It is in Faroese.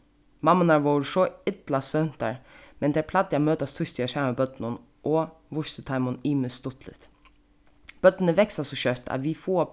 mammurnar vóru so illa svøvntar men tær plagdu at møtast týsdagar saman við børnunum og vístu teimum ymiskt stuttligt børnini vaksa so skjótt at vit fáa